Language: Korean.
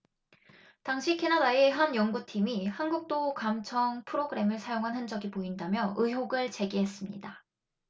당시 캐나다의 한 연구팀이 한국도 감청프로그램을 사용한 흔적이 보인다며 의혹을 제기했습니다